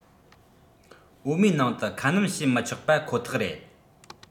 འོ མའི ནང དུ ཁ སྣོན བྱེད མི ཆོག པ ཁོ ཐག རེད